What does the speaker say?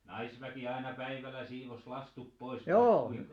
naisväki aina päivällä siivosi lastut pois vai kuinka